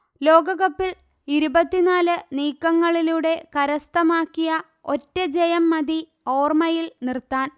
ലോകകപ്പിൽ ഇരുപത്തിനാല് നീക്കങ്ങളിലൂടെ കരസ്ഥമാക്കിയ ഒറ്റ ജയം മതി ഓർമയിൽ നിർത്താൻ